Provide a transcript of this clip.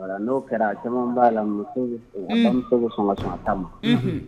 O la no kɛra caman ba la muso sekin a bamuso bi sɔn ka sekin a ta ma